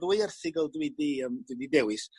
y ddwy erthygl dwi di yym dwi 'di dewis